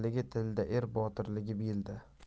er botirligi belda